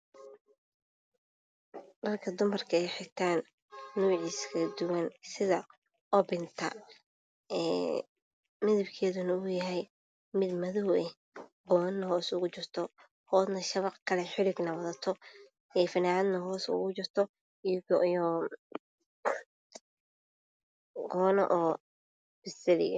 Dharka dumarka ay xirtaan noocisa kala duwan sida obinka ee midabkedna u yahay mid madow eh guna hos ugu jirto korna shabaq ka leh xirigna wadato ee fanandna hos ogu jirto iyo go iyoo